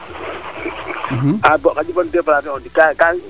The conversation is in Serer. a boog xaƴi bom deplacer u o ndik